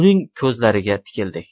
uning ko'zlariga tikildik